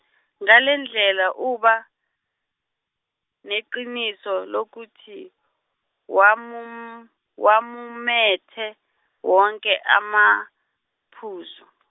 ngalendlela uba, neqiniso lokuthi, wamu- uwamumethe, wonke amaphuzu .